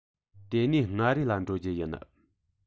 དེ ནས མངའ རིས ལ འགྲོ རྒྱུ ཡིན